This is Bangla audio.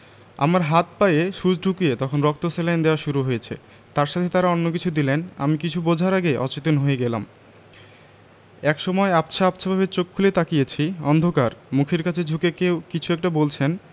আমার হাতে পায়ে সুচ ঢুকিয়ে তখন রক্ত স্যালাইন দেওয়া শুরু হয়েছে তার সাথে তারা অন্য কিছু দিলেন আমি কিছু বোঝার আগে অচেতন হয়ে গেলাম একসময় আবছা আবছাভাবে চোখ খুলে তাকিয়েছি অন্ধকার মুখের কাছে ঝুঁকে কেউ কিছু একটা বলছেন